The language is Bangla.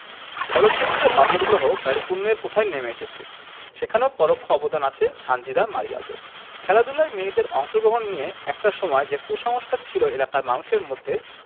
কলসিন্দুরে বাল্যবিবাহ প্রায় শূন্যের কোঠায় নেমে এসেছে সেখানেও পরোক্ষ অবদান আছে সানজিদা মারিয়াদের খেলাধুলায় মেয়েদের অংশগ্রহণ নিয়ে একটা সময় যে কুসংস্কার ছিল এলাকার মানুষের মধ্যে